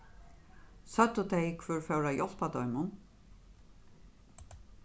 søgdu tey hvør fór at hjálpa teimum